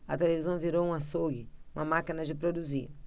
a televisão virou um açougue uma máquina de produzir